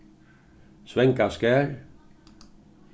svangaskarð